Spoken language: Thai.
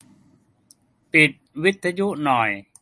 ปิดวิทยุหน่อย